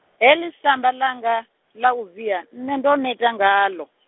heḽi samba langa, ḽa u via, nṋe ndo neta ngaḽo.